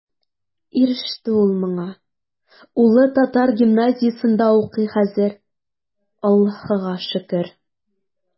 Иреште ул моңа, улы татар гимназиясендә укый хәзер, Аллаһыга шөкер.